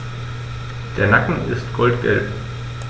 Der Nacken ist goldgelb.